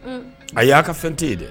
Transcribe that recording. A y' a ka fɛn tɛ yen ye dɛ